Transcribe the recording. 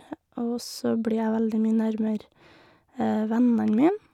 Og så blir jeg veldig mye nærmere vennene min.